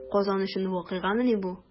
Казан өчен вакыйгамыни бу?